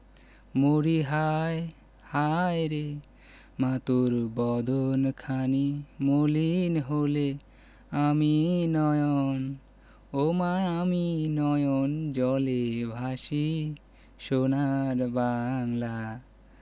মরিহায় হায়রে মা তোর বদন খানি মলিন হলে ওমা আমি নয়ন ওমা আমি নয়ন জলে ভাসি সোনার বাংলা